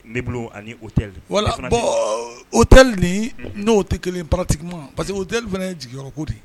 N bolo ani o tɛ o tɛ n'o tɛ kelen pati ma parce que o tɛli fana ye jigi ko di